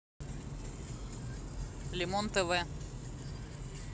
лимон тв